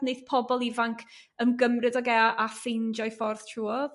neith pobl ifanc ymgymryd ag e a ffeindio'i ffordd tr'wodd?